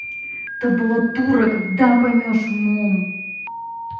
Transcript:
табулатура когда поймешь умом